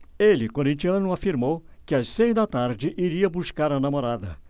ele corintiano afirmou que às seis da tarde iria buscar a namorada